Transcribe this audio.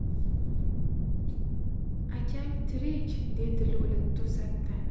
akang tirek dedi lo'li to'satdan